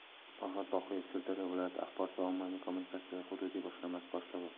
farhod boqiyev sirdaryo viloyati axborot va ommaviy kommunikatsiyalar hududiy boshqarmasi boshlig'i